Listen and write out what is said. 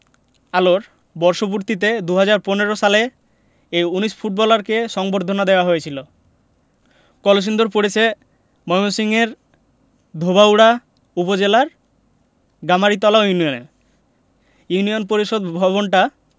আলোর বর্ষপূর্তিতে ২০১৫ সালে এই ১৯ ফুটবলারকে সংবর্ধনা দেওয়া হয়েছিল কলসিন্দুর পড়েছে ময়মনসিংহের ধোবাউড়া উপজেলার গামারিতলা ইউনিয়নে ইউনিয়ন পরিষদ ভবনটা